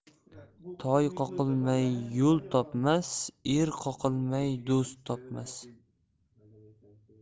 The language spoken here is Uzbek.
toy qoqilmay yo'l topmas er qoqilmay do'st